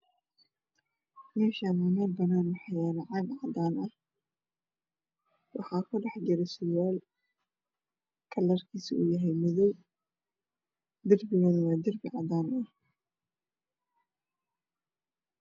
Meshan waa mel banan ah waxayalo caag cagan ah waxa kudhex jiro sarwal kalarkis yahay madow dirbigan waa cadan